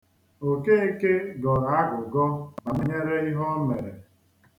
Okeke gọrọ agụgọ banyere ihe o mere.